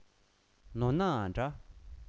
ནོར ནའང འདྲ